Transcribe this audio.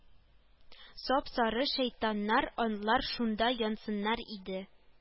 Сап-сары шәйтаннар анлар шунда янсыннар иде